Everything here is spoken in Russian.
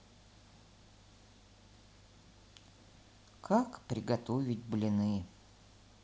как приготовить блины